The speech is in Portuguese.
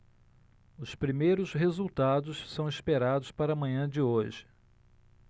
os primeiros resultados são esperados para a manhã de hoje